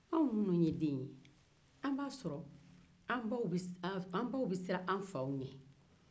anw minnu ye den ye an b'a sɔrɔ an baw bɛ siran an faw ɲɛ